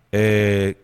Ɛɛ